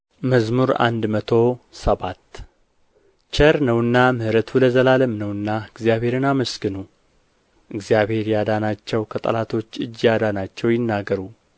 መዝሙር መቶ ሰባት ቸር ነውና ምሕረቱ ለዘላለም ነውና እግዚአብሔርን አመስግኑ እግዚአብሔር ያዳናቸው ከጠላቶች እጅ ያዳናቸው ይናገሩ